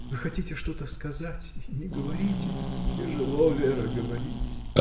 Вы хотите что-то сказать и не говорите. — Тяжело, Вера, говорить.